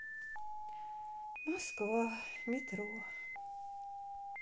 москва метро